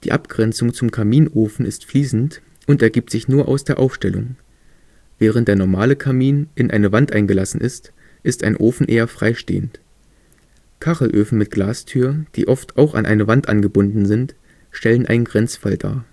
Abgrenzung zum Kaminofen ist fließend und ergibt sich nur aus der Aufstellung: Während der normale Kamin in eine Wand eingelassen ist, ist ein Ofen eher freistehend. Kachelöfen mit Glastür, die oft auch an eine Wand angebunden sind, stellen einen Grenzfall dar